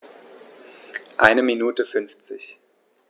Eine Minute 50